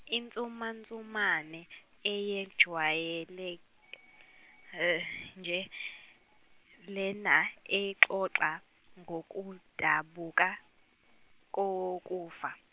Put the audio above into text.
insumansumane ejwayele nje lena exoxa ngokudabuka kokufa.